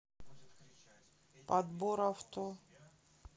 подбор авто